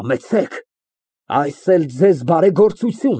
Համեցեք, այս էլ ձեզ բարեգործություն։